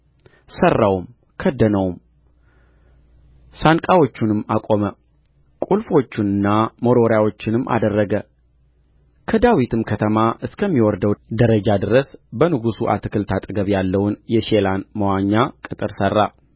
ሠራው ከደነውም ሳንቃዎቹንም አቆመ ቍልፎቹንና መወርወሪያዎቹንም አደረገ ከዳዊትም ከተማ እስከሚወርደው ደረጃ ድረስ በንጉሡ አትክልት አጠገብ ያለውን የሼላን መዋኛ ቅጥር ሠራ